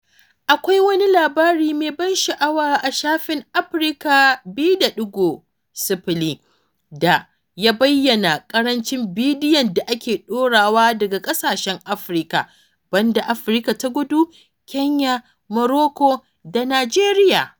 Akwai wani labari mai ban sha’awa a shafin Africa2.0 da ya bayyana ƙarancin bidiyon da ake ɗorawa daga ƙasashen Afirka (banda Afirka ta Kudu, Kenya, Morocco da Najeriya)